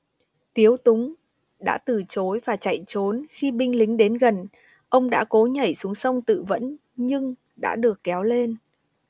tiếu túng đã từ chối và chạy trốn khi binh lính đền gần ông đã cố nhảy xuống sông tự vẫn nhưng đã được kéo lên